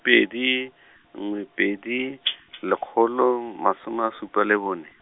pedi, nngwe pedi lekgolo m- masome a supa le bone.